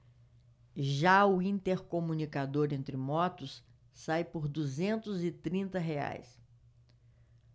já o intercomunicador entre motos sai por duzentos e trinta reais